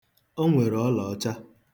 O nwere ọlọọcha.